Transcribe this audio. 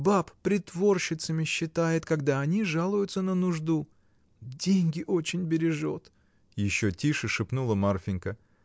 баб притворщицами считает, когда они жалуются на нужду. Деньги очень бережет. — еще тише шепнула Марфинька.